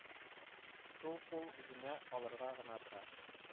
Сул кул үзенә алырга гына тора